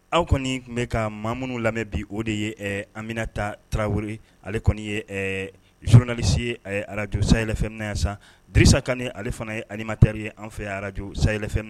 Aw kɔni Kun bɛ ka maa minnu lamɛ bi o de ye ɛɛ Anminata Traoré ale kɔni ye ɛɛ journaliste ye ɛɛ Radio Sahel FM na yan sa Drissa Kane ale fana ye animateur ye an' fe yan Radio Sahel FM